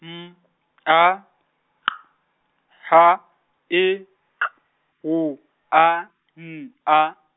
M A Q H E K W A N A.